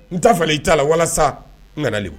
N ta fara i t'a la walasa n kanalen